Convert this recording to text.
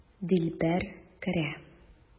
Дилбәр керә.